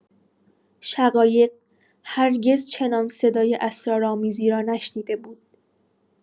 شقایق هرگز چنان صدای اسرارآمیزی را نشنیده بود.